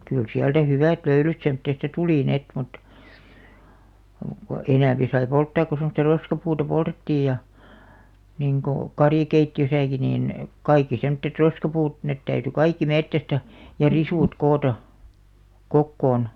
kyllä sieltä hyvät löylyt semmoisesta tuli niin että muuta kuin enempi sai polttaa kun semmoista roskapuuta poltettiin ja niin kuin karjakeittiössäkin niin kaikki semmoiset roskapuut ne täytyi kaikki metsästä ja risut koota kokoon